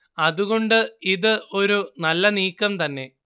അത് കൊണ്ട് ഇത് ഒരു നല്ല നീക്കം തന്നെ